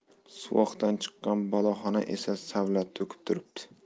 suvoqdan chiqqan boloxona esa savlat to'kib turibdi